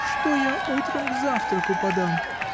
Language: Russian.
— Что я утром к завтраку подам?!